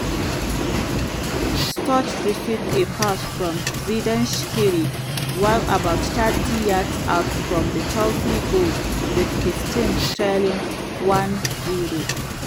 Sturridge received a pass from Xherdan Shaqiri while about 30 yards out from the Chelsea goal with his team trailing 1-0.